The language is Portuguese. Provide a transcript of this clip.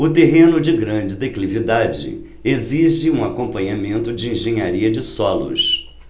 o terreno de grande declividade exige um acompanhamento de engenharia de solos